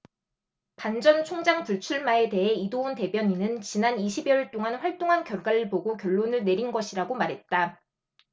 반 전 총장 불출마에 대해 이도운 대변인은 지난 이십 여일 동안 활동한 결과를 보고 결론을 내린 것이라고 말했다